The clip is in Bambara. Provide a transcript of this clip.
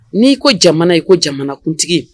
N'i ko jamana ye ko jamanakuntigi